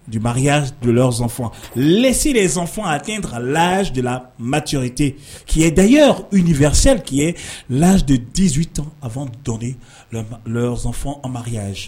Ncibaya lɛsi deɔn a tɛ lazjolabati cɛ'da ninfɛyasɛri k'i ye ladu disi tɔn a fɔ dɔnkili ɔn anbaya